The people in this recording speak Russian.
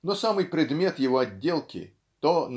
но самый предмет его отделки то